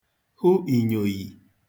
hụ ìnyòghì